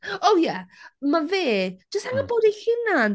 O ie, mae fe jyst yn angen bod ei hunan.